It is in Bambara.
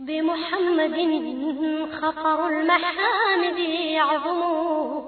Denmugɛninunɛgɛningɛnin yo